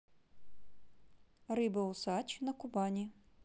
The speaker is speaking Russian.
рыба усач на кубани